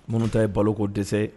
Minnu ta ye baloko dɛsɛ